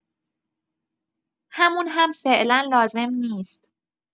همون هم فعلا لازم نیست.